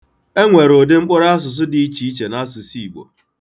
E nwere ụdị mkpụrụasụsụ dị ichiiche n'asụsụ Igbo.